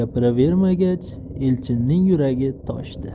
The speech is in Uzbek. gapiravermagach elchinning yuragi toshdi